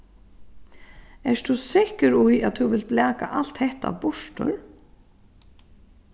ert tú sikkur í at tú vilt blaka alt hetta burtur